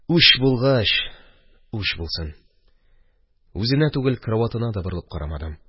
Үч булгач үч булсын, үзенә түгел, караватына да борылып карамадым. –